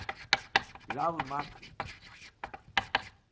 ravmagn